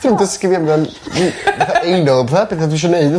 ...dim dysgu fi amdan n- fatha anal a petha petha dwi isio neud...